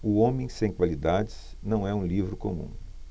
o homem sem qualidades não é um livro comum